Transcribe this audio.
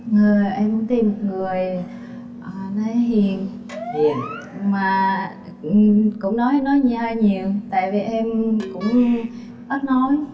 em muốn tìm người anh ấy hiền hiền mà cũng cũng nói nó như hơi nhiều tại vì em cũng ít nói